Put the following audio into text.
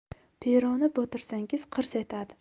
peroni botirsangiz qirs etadi